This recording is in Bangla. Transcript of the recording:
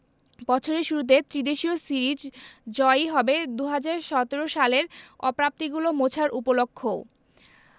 বছরের শুরুতে ত্রিদেশীয় সিরিজ জয়ই হবে ২০১৭ সালের অপ্রাপ্তিগুলো মোছার উপলক্ষও